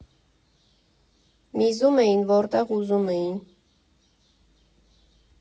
Միզում էին, որտեղ ուզում էին։